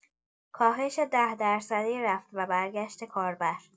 کاهش ۱۰ درصدی رفت و برگشت کاربر